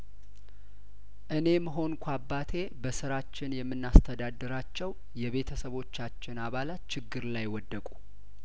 እኔም ሆንኩ አባቴ በስራችን የምናስተዳድራቸው የቤተሰቦቻችን አባላት ችግር ላይ ወደቁ